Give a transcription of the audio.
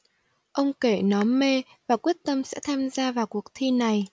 ông kể nó mê và quyết tâm sẽ tham gia vào cuộc thi này